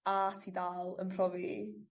a ti dal yn profi...